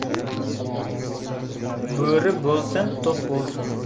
bo'ri bo'lsin to'q bo'lsin